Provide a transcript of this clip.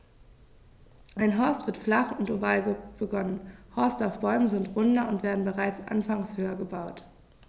Ein Horst wird flach und oval begonnen, Horste auf Bäumen sind runder und werden bereits anfangs höher gebaut.